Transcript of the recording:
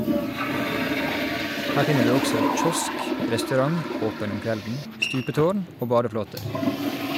Her finner du også kiosk, restaurant (åpen om kvelden), stupetårn og badeflåter.